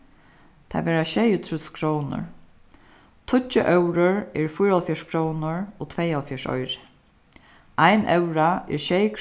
tað verða sjeyogtrýss krónur tíggju evrur er fýraoghálvfjerðs krónur og tveyoghálvfjerðs oyru ein evra er sjey